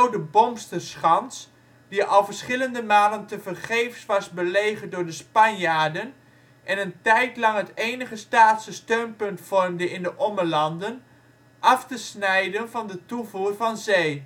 de Bomsterschans (die al verschillende malen tevergeefs was belegerd door de Spanjaarden en een tijdlang het enige Staatse steunpunt vormde in de Ommelanden) af te snijden van de toevoer over zee